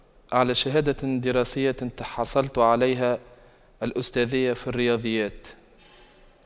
أعلى شهادة دراسية تحصلت عليها الأستاذية في الرياضيات